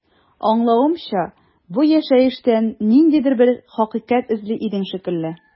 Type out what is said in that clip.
Аңлавымча, бу яшәештән ниндидер бер хакыйкать эзли идең шикелле.